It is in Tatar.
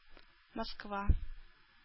Москва